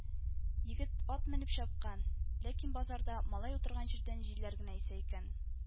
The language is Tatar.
Егет ат менеп чапкан, ләкин базарда малай утырган җирдән җилләр генә исә икән